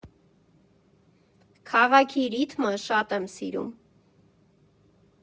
Քաղաքի ռիթմը շատ եմ սիրում։